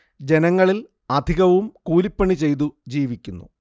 ജനങ്ങളിൽ അധികവും കൂലി പണി ചെയ്തു ജീവിക്കുന്നു